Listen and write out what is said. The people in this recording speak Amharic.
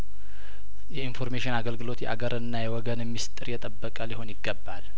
የኢንፎርሜሽን አገልግሎት የአገርንና የወገንን ምስጥር የጠበቀ ሊሆን ይገባል